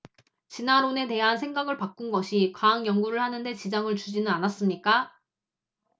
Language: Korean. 진화론에 대한 생각을 바꾼 것이 과학 연구를 하는 데 지장을 주지는 않았습니까